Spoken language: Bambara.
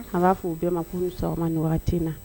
An' b'a f'u bɛɛ ma k'u ni sɔgɔma nin waati in na